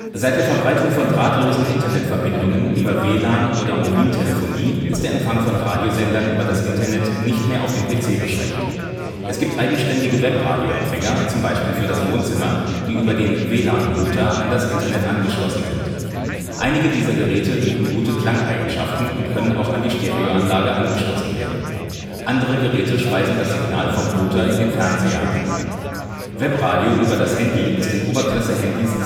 Seit der Verbreitung von drahtlosen Internetverbindungen über WLAN oder Mobiltelefonie ist der Empfang von Radiosendern über das Internet nicht mehr auf den PC beschränkt. Es gibt eigenständige Webradio-Empfänger, zum Beispiel für das Wohnzimmer, die über den (WLAN -) Router an das Internet angeschlossen sind. Einige dieser Geräte bieten gute Klangeigenschaften und können auch an die Stereoanlage angeschlossen werden. Andere Geräte speisen das Signal vom Router in den Fernseher ein. Webradio über das Handy ist in neusten (12/07) Oberklasse-Handys